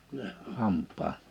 hampaan